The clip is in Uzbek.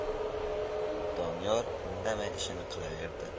doniyor indamay ishini qilaverdi